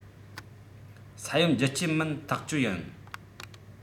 ས ཡོམ རྒྱུ རྐྱེན མིན ཐག གཅོད ཡིན